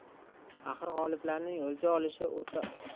axir g'oliblarning o'lja olishi